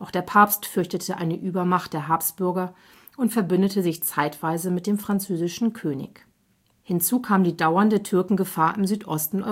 der Papst fürchtete eine Übermacht der Habsburger und verbündete sich zeitweise mit dem französischen König. Hinzu kam die dauernde Türkengefahr im Südosten Europas